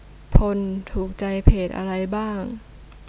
พลถูกใจเพจอะไรบ้าง